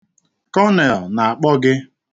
Kọnel na-akpọ gị.